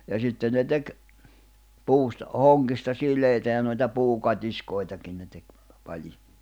ja sitten ne teki puusta hongista sileitä ja noita puukatiskoitakin ne teki pali